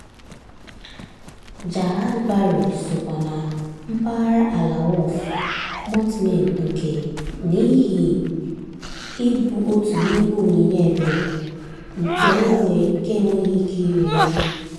Jahaj Bari sokwa na mpaghara ala Waqf (mortmain) nke, n'ihi ịbụ otu n'ime onyinye ebere, na e nweghị ike ire ya.